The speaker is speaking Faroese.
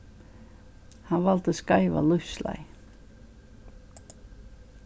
hann valdi skeiva lívsleið